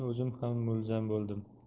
o'zim ham mulzam bo'ldim